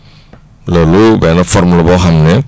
loolu benn forme la boo xam ne